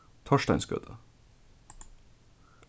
torsteinsgøta